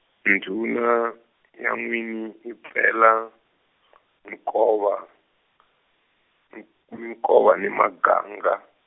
ndhuma ya n'win- , yi pela , minkova, m- minkova ni maganga.